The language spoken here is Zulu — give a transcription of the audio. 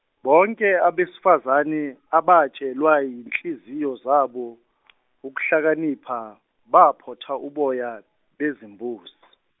bonke abesifazane abatshelwa yizinhliziyo zabo , ukuhlakanipha baphotha uboya, bezimbuzi.